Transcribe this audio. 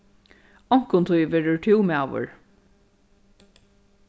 onkuntíð verður tú maður